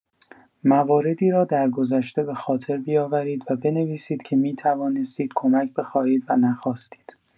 مواردی را درگذشته به‌خاطر بیاورید و بنویسید که می‌توانستید کمک بخواهید و نخواستید.